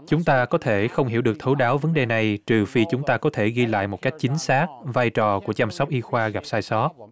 chúng ta có thể không hiểu được thấu đáo vấn đề này trừ phi chúng ta có thể ghi lại một cách chính xác vai trò của chăm sóc y khoa gặp sai sót